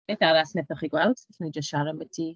Beth arall wnaethoch chi gweld? Allwn ni jyst siarad ambiti...